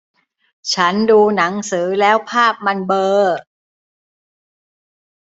ฉันดูหนังสือแล้วภาพมันเบลอ